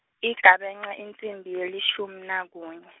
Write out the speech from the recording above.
igabence insimbi yelishumi nakunye.